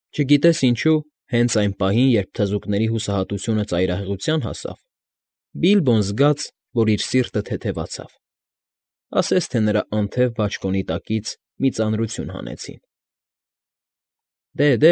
Չգիտես ինչու, հենց այն պահին, երբ թզուկների հուսահատությունը ծայրահեղության հասավ, Բիլբոն զգաց, որ իր սիրտը թեթևացավ, ասես թե նրա անթև բաճկոնի տակից մի ծանրություն հանեցին։ ֊ Դե,